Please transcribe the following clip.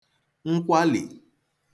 nkwali